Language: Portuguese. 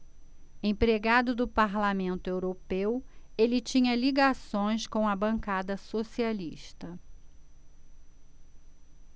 empregado do parlamento europeu ele tinha ligações com a bancada socialista